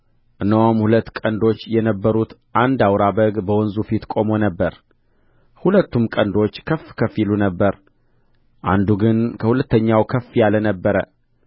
እነሆም ሁለት ቀንዶች የነበሩት አንድ አውራ በግ በወንዙ ፊት ቆሞ ነበር ሁለቱም ቀንዶቹ ከፍ ከፍ ይሉ ነበር አንዱ ግን ከሁለተኛው ከፍ ያለ ነበረ